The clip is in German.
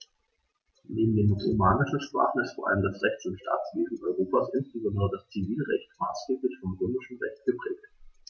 Neben den romanischen Sprachen ist vor allem das Rechts- und Staatswesen Europas, insbesondere das Zivilrecht, maßgeblich vom Römischen Recht geprägt.